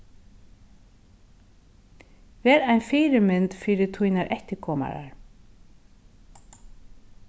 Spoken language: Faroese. ver ein fyrimynd fyri tínar eftirkomarar